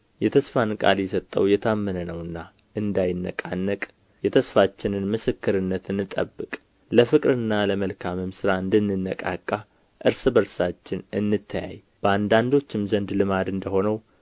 የተስፋን ቃል የሰጠው የታመነ ነውና እንዳይነቃነቅ የተስፋችንን ምስክርነት እንጠብቅ ለፍቅርና ለመልካምም ሥራ እንድንነቃቃ እርስ በርሳችን እንተያይ በአንዳንዶችም ዘንድ ልማድ እንደ ሆነው